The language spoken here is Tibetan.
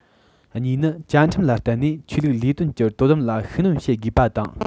གཉིས ནི བཅའ ཁྲིམས ལ བརྟེན ནས ཆོས ལུགས ལས དོན གྱི དོ དམ ལ ཤུགས སྣོན བྱེད དགོས པ དང